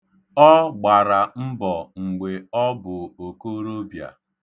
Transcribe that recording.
Ọ gbara mbọ mgbe ọ bụ okorobịa.